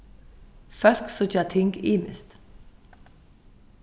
fólk síggja ting ymiskt